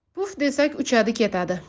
puf desak uchadi ketadi